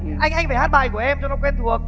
anh anh phải hát bài của em nó quen thuộc